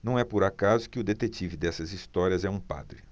não é por acaso que o detetive dessas histórias é um padre